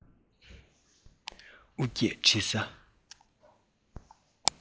དབུ ཁྱུད འབྲི ས